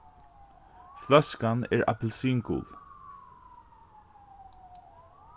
fløskan er appilsingul